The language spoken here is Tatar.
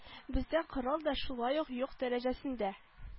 Бездә корал да шулай ук юк дәрәҗәсендә